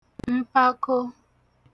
mpako